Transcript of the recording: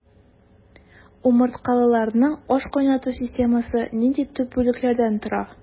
Умырткалыларның ашкайнату системасы нинди төп бүлекләрдән тора?